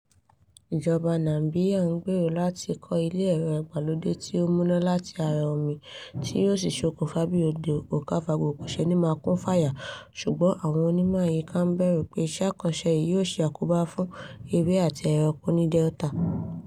Ìjọba Namibia ń gbèrò láti kọ́ ilé ẹ̀rọ ìgbàlódé tí ó mú iná láti ara omi tí yóò si ṣokùnfà bi odo Okavango kò ṣe ni máa kún fàya, ṣùgbọ́n àwọ́n onímọ̀ àyíká ń bẹ̀rù pé iṣẹ́ àkànṣe yìí máa ṣe àkóbá fún àwọn ewé àti ẹranko nì Delta.